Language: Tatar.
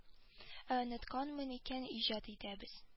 Ә онытканмын икән иҗат итәбез